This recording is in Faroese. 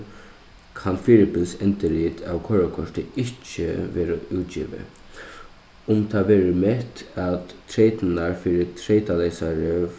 kann fyribils endurrit av koyrikorti ikki verða útgivið um tað verður mett at treytirnar fyri treytaleysari